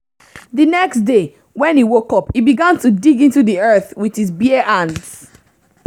The next day, when he woke up, he began to dig into the earth with his bare hands.